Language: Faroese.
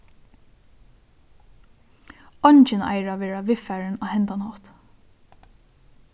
eingin eigur at verða viðfarin á hendan hátt